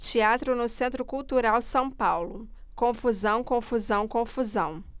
teatro no centro cultural são paulo confusão confusão confusão